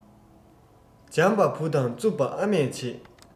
འཇམ པ བུ དང རྩུབ པ ཨ མས བྱེད